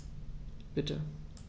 Bitte.